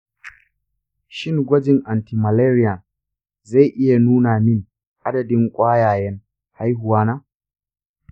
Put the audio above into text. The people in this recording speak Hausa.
shin gwajin anti-müllerian zai iya nuna min adadin ƙwayayen haihuwa na?